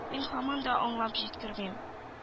Мин һаман да аңлап җиткермим